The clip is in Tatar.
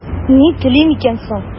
Ни телим икән соң?